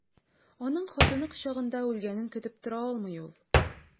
Аның хатыны кочагында үлгәнен көтеп тора алмый ул.